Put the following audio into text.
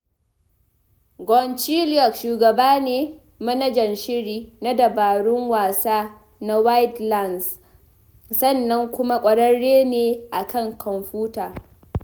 GunChleoc shugaba ne (manajan shiri) na dabarun wasa na Widelands sannan kuma ƙwararre ne a kan kwamfuta.